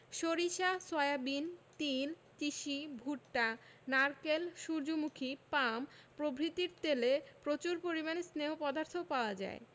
সরিষা সয়াবিন তিল তিসি ভুট্টা নারকেল সুর্যমুখী পাম প্রভৃতির তেলে প্রচুর পরিমাণে স্নেহ পদার্থ পাওয়া যায়